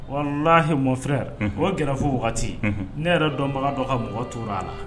Walahi mon frère o grève wagati , ne yɛrɛ dɔnbaga dɔ ka mɔgɔ tora a la.